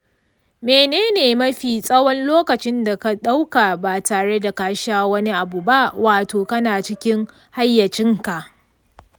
mene ne mafi tsawon lokaci da ka ɗauka ba tare da ka sha wani abu ba wato kana cikin hayyacinka?